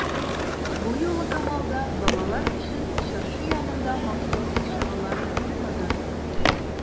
Бу юлы Камалда балалар өчен чыршы янында махсус чаралар булмады.